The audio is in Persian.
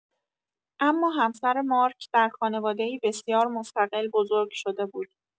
اما همسر مارک در خانواده‌ای بسیار مستقل بزرگ شده بود.